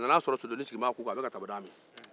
a nana sɔrɔ sodennin sigilen bɛ a ku kan a bɛ ka tamadaga min